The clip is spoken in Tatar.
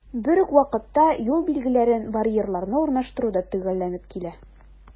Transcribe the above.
Бер үк вакытта, юл билгеләрен, барьерларны урнаштыру да төгәлләнеп килә.